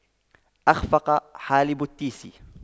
أَخْفَقَ حالب التيس